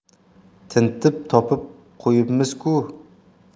tintib topib qo'yibmiz ku